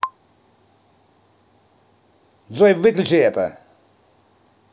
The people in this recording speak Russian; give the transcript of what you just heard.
джой выключи это